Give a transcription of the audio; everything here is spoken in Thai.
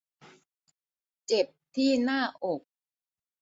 เจ็บที่หน้าอก